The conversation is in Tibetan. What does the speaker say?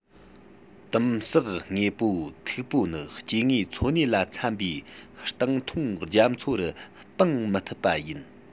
དིམ བསགས དངོས པོ མཐུག པོ ནི སྐྱེ དངོས འཚོ གནས ལ འཚམ པའི གཏིང ཐུང རྒྱ མཚོ རུ སྤུང མི ཐུབ པ ཡིན